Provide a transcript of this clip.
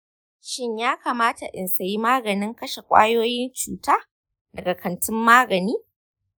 shin ya kamata in sayi maganin kashe ƙwayoyin cuta daga kantin magani?